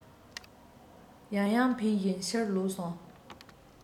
ཡང ཡང འཕེན བཞིན ཕྱིར ལོག སོང